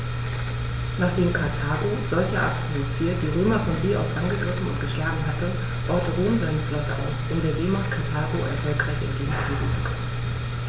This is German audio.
Nachdem Karthago, solcherart provoziert, die Römer von See aus angegriffen und geschlagen hatte, baute Rom seine Flotte aus, um der Seemacht Karthago erfolgreich entgegentreten zu können.